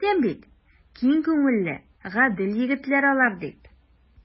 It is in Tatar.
Әйтәм бит, киң күңелле, гадел егетләр алар, дип.